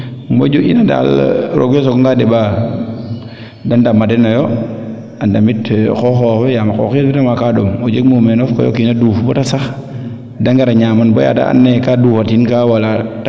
moƴo ina dal roog fe sooga nga deɓaa de ndama deno yo a ndamit xoxox we yaam xoxit ka ɗom o jem mumenof koy o kiina duuf bata sax de ngara ñaman baya de ana yee kaa dufatin ngaaf wala